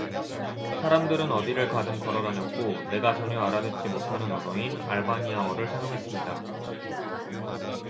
사람들은 어디를 가든 걸어 다녔고 내가 전혀 알아듣지 못하는 언어인 알바니아어를 사용했습니다